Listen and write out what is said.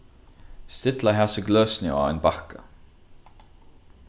stilla hasi gløsini á ein bakka